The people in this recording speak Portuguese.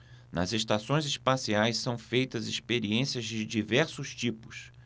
nas estações espaciais são feitas experiências de diversos tipos